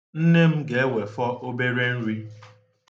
Nne m ga-ewefọ obere nri.